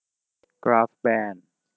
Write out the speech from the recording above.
กราฟแบรนด์